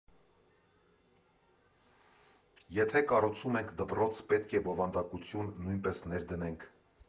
Եթե կառուցում ենք դպրոց, պետք է բովանդակություն նույնպես ներդնենք։